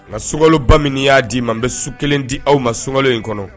Nka sokalobamini y'a di ma n bɛ su kelen di aw ma sokalo in kɔnɔ